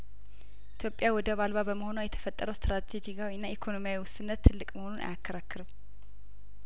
ኢትዮጵያ ወደብ አልባ በመሆኗ የተፈጠረው ስትራቴጂካዊና ኢኮኖሚያዊ ውሱንነት ትልቅ መሆኑ አያከራክርም